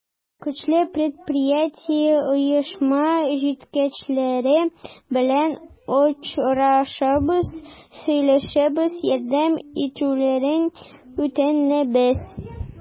Көчле предприятие, оешма җитәкчеләре белән очрашабыз, сөйләшәбез, ярдәм итүләрен үтенәбез.